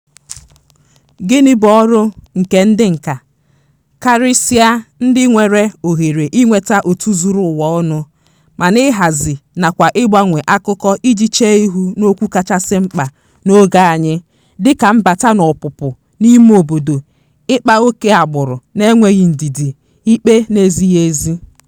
OM: Gịnị bụ ọrụ nke ndị nkà, karịsịa ndị nwere ohere inweta òtù zuru ụwa ọnụ ma n'ịhazi nakwa ịgbanwe akụkọ iji chee ihu n'okwu kachasị mkpa n'oge anyị, dị ka mbata na ọpụpụ n'ime obodo ịkpa ókè agbụrụ na enweghị ndidi / ikpe n'ezighị ezi?